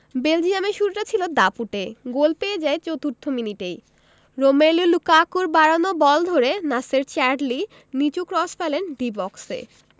বেলজিয়ামের শুরুটা ছিল দাপুটে গোল পেয়ে যায় চতুর্থ মিনিটেই রোমেলু লুকাকুর বাড়ানো বল ধরে নাসের চ্যাডলি নিচু ক্রস ফেলেন ডি বক্সে